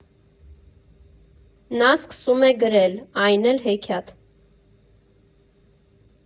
Նա սկսում է գրել, այն էլ հեքիաթ։